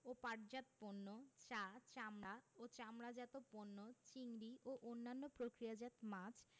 ও পাটজাত পণ্য চা চামড়া ও চামড়াজাত পণ্য চিংড়ি ও অন্যান্য প্রক্রিয়াজাত মাছ